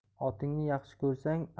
otingni yaxshi ko'rsang